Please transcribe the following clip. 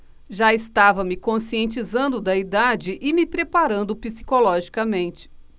já estava me conscientizando da idade e me preparando psicologicamente